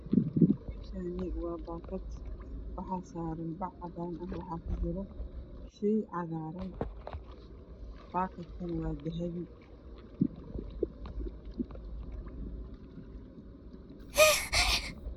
Meeshani waa bakad bac cadana waxaa ku jira shay cagaran bakadkana waa dahabi